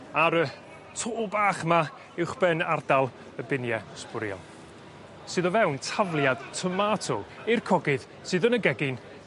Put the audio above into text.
Ar y to bach 'ma uwchben ardal y binie sbwriel, sydd o fewn tafliad tomato i'r cogydd sydd yn y gegin